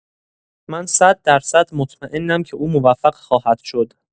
من صددرصد مطمئنم که او موفق خواهد شد.